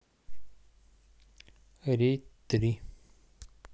рейд три